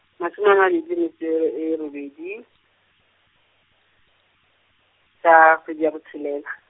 mashome a mabedi le metso e, e robedi, ka kgwedi ya botshelela.